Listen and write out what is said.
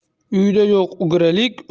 uyida yo'q ugralik